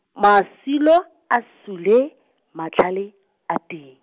masilo, a sule, matlhale, a te-.